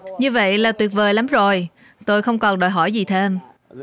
như vậy là tuyệt vời lắm rồi tôi không còn đòi hỏi gì thêm